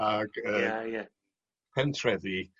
ag yy... Ia ie. ...pentrefi...